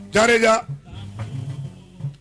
Cariiga